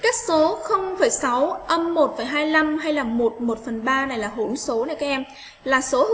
các số hay là này là hỗn số là kem là số